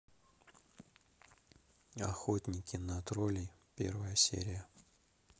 охотники на троллей первая серия